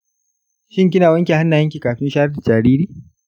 shin kina wanke hannayen ki kafin shayar da jariri?